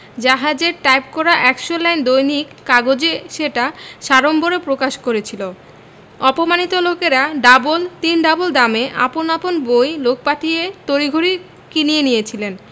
জাহাজের টাইপ করা এক শ লাইন দৈনিক কাগজে সেটা সাড়ম্বরে প্রকাশ করেছিল অপমানিত লেখকরা ডাবল তিন ডাবল দামে আপন আপন বই লোক পাঠিয়ে তড়িঘড়ি কিনিয়ে নিয়েছিলেন